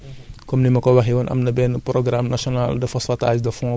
puisque vraiment yombal nañu phosphate bi